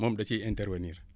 moom da ciy intervenir